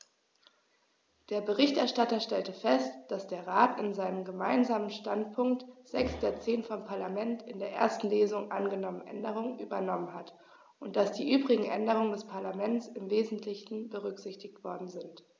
Der Berichterstatter stellte fest, dass der Rat in seinem Gemeinsamen Standpunkt sechs der zehn vom Parlament in der ersten Lesung angenommenen Änderungen übernommen hat und dass die übrigen Änderungen des Parlaments im wesentlichen berücksichtigt worden sind.